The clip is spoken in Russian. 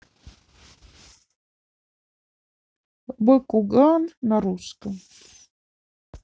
бакуган на русском